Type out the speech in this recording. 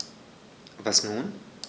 Was nun?